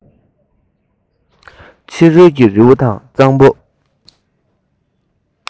ཞིང ཐང སོགས ནི ཨ མའི ངག ནས